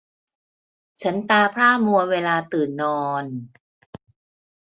ฉันตาพร่ามัวเวลาตื่นนอน